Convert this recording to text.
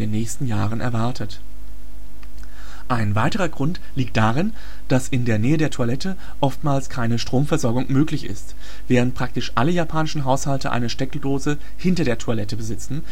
nächsten Jahren erwartet. Ein weiterer Grund liegt darin, dass in der Nähe der Toilette oftmals keine Stromversorgung möglich ist. Während praktisch alle japanischen Haushalte eine Steckdose hinter der Toilette besitzen